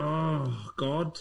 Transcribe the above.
O, God!